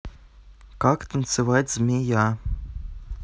как танцевать змея